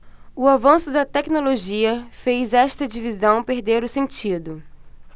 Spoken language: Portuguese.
o avanço da tecnologia fez esta divisão perder o sentido